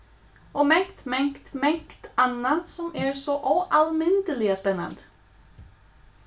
og mangt mangt mangt annað sum er so óalmindiliga spennandi